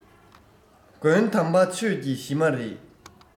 མགོན དམ པ ཆོས ཀྱི གཞི མ རེད